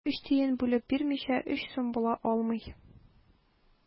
Өч тиен бүлеп бирмичә, өч сум була алмый.